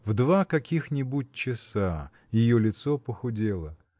в два каких-нибудь часа ее лицо похудело